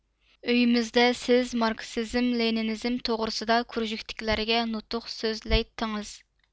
ئۆيىمىزدە سىز ماركسىزم لېنىنىزم توغرىسىدا كۇرژۇكتىكىلەرگە نۇتۇق سۆزلەيتتىڭىز